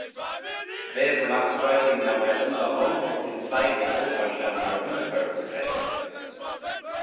veðurlagsbroytingarnar elva longu til fleiri álvarsamar umhvørviskreppur